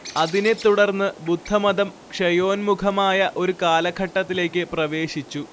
അതിനെ തുടർന്ന് ബുദ്ധമതം ക്ഷയോന്മുഖമായ ഒരു കാലഘട്ടത്തിലേക്ക് പ്രവേശിച്ചു